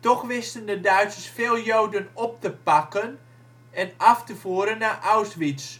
Toch wisten de Duitsers veel Joden op te pakken en af te voeren naar Auschwitz